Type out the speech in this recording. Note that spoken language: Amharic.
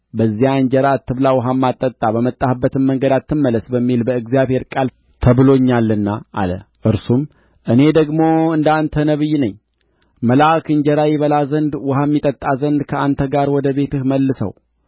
በዚያ እንጀራ አትብላ ውኃም አትጠጣ በመጣህበትም መንገድ አትመለስ በሚል በእግዚአብሔር ቃል ተብሎልኛልና አለ እርሱም እኔ ደግሞ እንደ አንተ ነቢይ ነኝ መልአክም እንጀራ ይበላ ዘንድ ውኃም ይጠጣ ዘንድ ከአንተ ጋር ወደ ቤትህ መልሰው